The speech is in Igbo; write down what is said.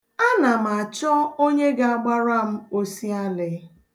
Ana m achọ onye ga-agbara m osialị.